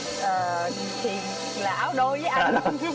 à thì là áo đôi với anh